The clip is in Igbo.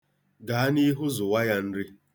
Gaa n'ihu zụwa ya nri.